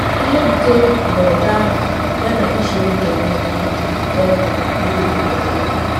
Ihe butere mberede ahụ yana usoro nke mmemme ahụ kpọmkwem edobeghi anya.